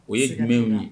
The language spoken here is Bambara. O ye jumɛnw na